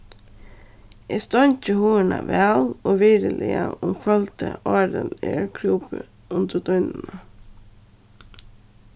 eg steingi hurðina væl og virðiliga um kvøldið áðrenn eg krúpi undir dýnuna